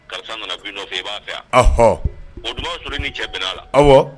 Karisa nana i nɔfɛ, i b'a fɛ wa, ɔhɔ, n'o dun y'a sɔrɔ e ni cɛ bɛnna la, awɔ.